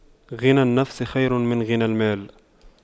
غنى النفس خير من غنى المال